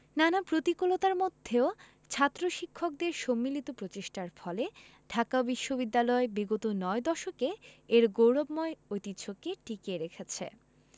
নানা প্রতিকূলতার মধ্যেও ছাত্র শিক্ষকদের সম্মিলিত প্রচেষ্টার ফলে ঢাকা বিশ্ববিদ্যালয় বিগত নয় দশকে এর গৌরবময় ঐতিহ্যকে টিকিয়ে রেখেছে